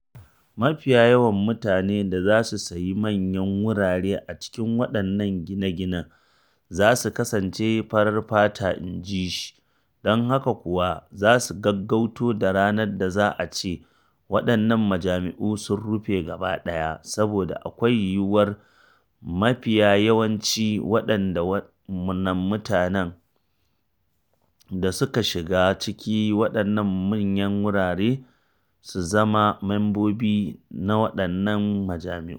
“Mafi yawan mutane da za su sayi manyan wurare a cikin waɗannan gine-ginen za su kasance farar fata ne,” inji shi, “don haka kuwa za su gaggauto da ranar da za a ce waɗannan majami’u sun rufe gaba ɗaya saboda akwai yiwuwar mafi yawanci waɗannan mutane da suka shiga cikin waɗannan manyan wuraren su zama mambobi na waɗannan majami’u.”